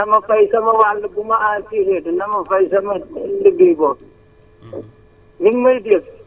waaw na na ma fay sama wàll bu mu ma assurer ti na ma fay sama liggéey boobu